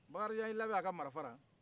bkaakrijan y'i laben a ka marafa la